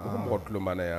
U ko mɔgɔ tulo banna yan